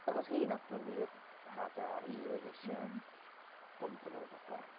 Achos hi wnaeth brynu'r hadau a hi wedd isie bwydo nhw a phopeth.